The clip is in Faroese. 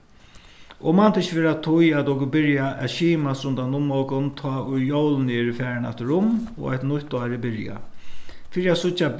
og man tað ikki vera tí at okur byrja at skimast rundan um okum tá ið jólini eru farin afturum og eitt nýtt ár er byrjað fyri at síggja